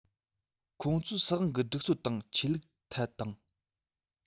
ཁོང ཚོའི སྲིད དབང གི སྒྲིག སྲོལ དང ཆོས ལུགས ཐད དང